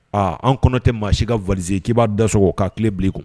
Aa an kɔnɔ tɛ maa si ka valize k'i b'a da sɔrɔ k kaa tile bilen kun